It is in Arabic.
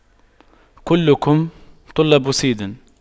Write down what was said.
كلكم طلب صيد